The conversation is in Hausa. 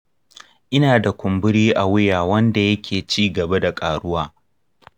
ina da kumburi a wuya wanda yake ci gaba da ƙaruwa.